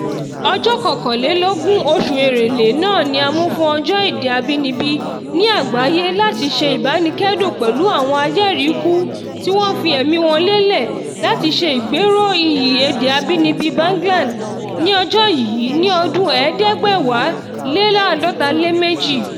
Ọjọ́ 21 oṣù Èrèlé náà ni a mú fún ọjọ́ Èdè Abínibí ní àgbáyé láti ṣe ìbánikẹ́dùn pẹ̀lú àwọn ajẹ́rìí kú tí wọ́n fi ẹ̀mí wọn lélè láti ṣe ìgbéró iyì Èdè Abínibí Bangla, ní ọjọ́ yìí ní ọdún 1952.